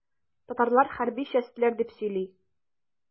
Татарлар хәрби чәстләр дип сөйли.